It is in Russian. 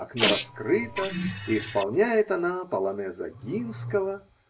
окно раскрыто, и исполняет она полонез Огинского.